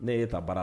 Ne y'e ta baara